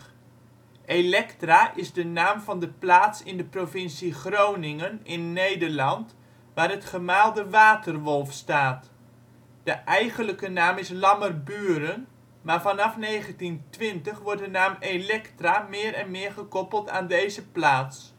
Electra is de naam van de plaats in de provincie Groningen (Nederland) waar het gemaal De Waterwolf staat. De eigenlijke naam is Lammerburen, maar vanaf 1920 wordt de naam Electra meer en meer gekoppeld aan deze plaats